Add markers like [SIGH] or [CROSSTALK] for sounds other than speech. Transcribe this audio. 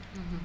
[HESITATION] [HESITATION]